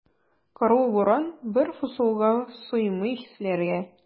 Карлы буран, бер фасылга сыймый хисләре.